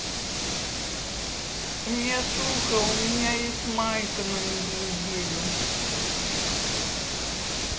у меня сухо у меня есть майка неделю